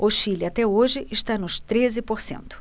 o chile até hoje está nos treze por cento